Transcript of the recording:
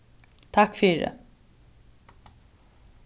takk fyri